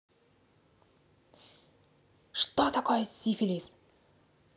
что такое сифилис